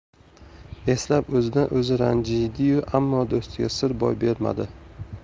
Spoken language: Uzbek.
eslab o'zidan o'zi ranjidiyu ammo do'stiga sir boy bermadi